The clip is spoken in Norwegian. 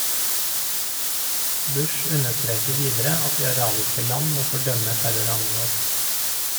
Bush understreker videre at de arabiske land må fordømme terrorhandlinger.